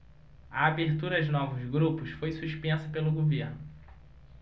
a abertura de novos grupos foi suspensa pelo governo